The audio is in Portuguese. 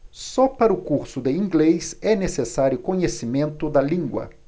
só para o curso de inglês é necessário conhecimento da língua